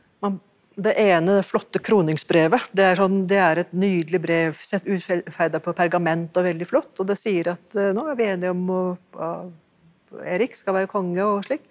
man det ene det flotte kroningsbrevet det er sånn det er et nydelig brev sett utferda på pergament å veldig flott og det sier at nå er vi enige om Erik skal være konge og slik.